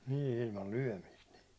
niin niin ilmalla lyömistä niin